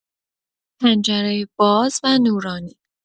پنجره باز و نورانی